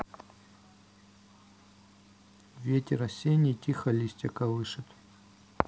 ветер осенний тихо листья колышит